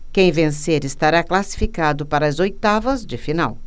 quem vencer estará classificado para as oitavas de final